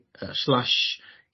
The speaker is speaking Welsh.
...yy slash...